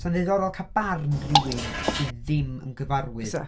..'Sa'n ddiddorol cael barn rhywun sydd ddim yn gyfarwydd... Bysa.